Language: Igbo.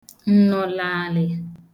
ǹnọ̀lààlị̀